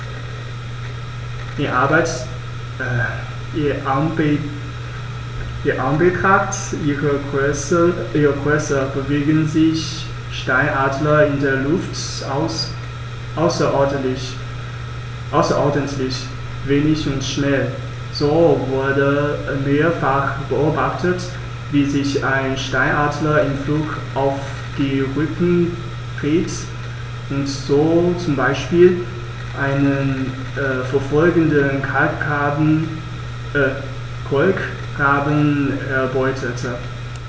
In Anbetracht ihrer Größe bewegen sich Steinadler in der Luft außerordentlich wendig und schnell, so wurde mehrfach beobachtet, wie sich ein Steinadler im Flug auf den Rücken drehte und so zum Beispiel einen verfolgenden Kolkraben erbeutete.